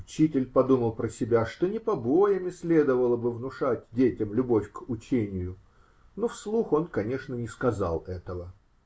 Учитель подумал про себя, что не побоями следовало бы внушать детям любовь к учению, но вслух он, конечно, не сказал этого.